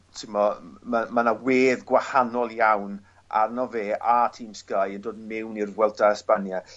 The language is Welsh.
t'mo' m- ma' 'ma 'na wedd gwahanol iawn arno fe a Team Sky yn dod mewn i'r Vuelta a Espania.